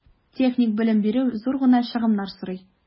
Техник белем бирү зур гына чыгымнар сорый.